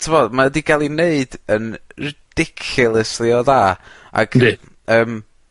t'mod mae 'di gael 'i wneud yn ridiculously o dda ag... Yndi. ...yym